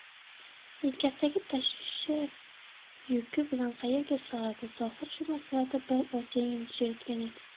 yelkasidagi tashvish yuki bilan qaerga sig'adi zohid shu masalada bir oz yanglishayotgan edi